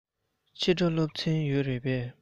ཕྱི དྲོ སློབ ཚན ཡོད རེད པས